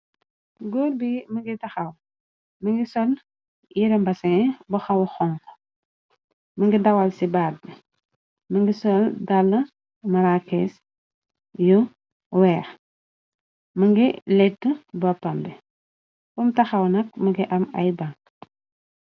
Góor bi mënga tahaw mungi sol yire mbasin bu hawa honku më ngi dawal ci baat bi, mu ngi sol dàl marakees yu weeh, mëngi lett boppam bi kum tahaw nak mëngi am ay ban.